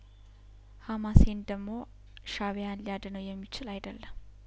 ሀማሴን ደሞ ሻእቢያን ሊያድነው የሚችል አይደለም